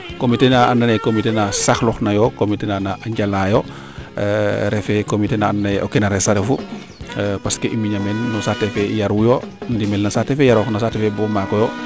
comité fee ando naye comité ne saxlox nayo comité na na njala yoo refe comité na ando naye o kenares a refu parce que i miña meen no saate fe i yarwu yo ndimel no saate fee yaroox no saate fee bo maakoyo